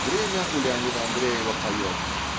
Время у Леонида Андреева поет